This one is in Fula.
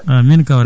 amine kawren